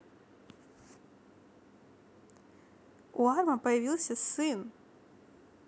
у arma появился сын